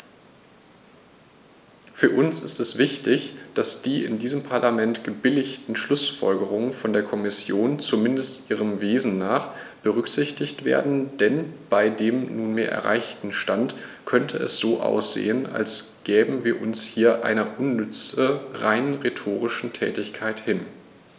Für uns ist es wichtig, dass die in diesem Parlament gebilligten Schlußfolgerungen von der Kommission, zumindest ihrem Wesen nach, berücksichtigt werden, denn bei dem nunmehr erreichten Stand könnte es so aussehen, als gäben wir uns hier einer unnütze, rein rhetorischen Tätigkeit hin.